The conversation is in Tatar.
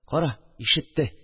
Кара, ишетте